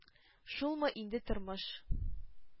Шулмы инде тормыш!